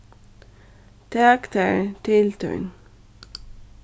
tak tær til tín